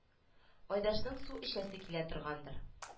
Айдашның су эчәсе килә торгандыр